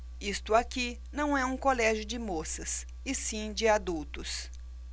isto aqui não é um colégio de moças e sim de adultos